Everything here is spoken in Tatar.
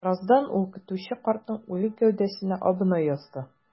Бераздан ул көтүче картның үле гәүдәсенә абына язды.